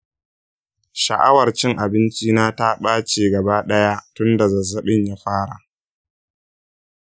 sha’awar cin abinci na ta ɓace gaba ɗaya tun da zazzabin ya fara.